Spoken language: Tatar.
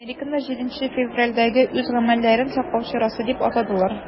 Американнар 7 февральдәге үз гамәлләрен саклану чарасы дип атадылар.